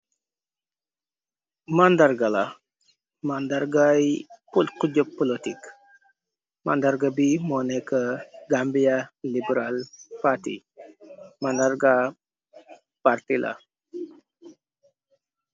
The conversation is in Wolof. Màndargala màndargay pulku job polotic màndarga bi moneka gambia liberal paty mandarga parti la.